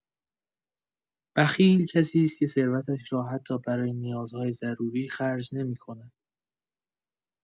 بخیل کسی است که ثروتش را حتی برای نیازهای ضروری خرج نمی‌کند.